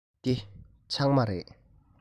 འདི ཕྱགས མ རེད